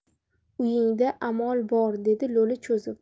uyingda amol boor dedi lo'li cho'zib